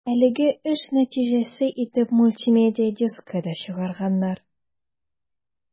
Әлеге эш нәтиҗәсе итеп мультимедия дискы да чыгарганнар.